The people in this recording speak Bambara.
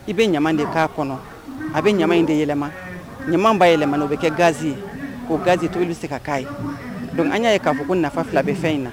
I bɛ ɲama de k'a kɔnɔ a bɛ ɲama in de yɛlɛma ɲama bɛ yɛlɛ yɛlɛmamana o bɛ kɛ ga ye k'o ga to bɛ se ka k'a ye dɔn an'a'a fɔ ko nafa fila bɛ fɛn in na